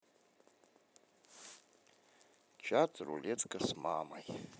чат рулетка с мамой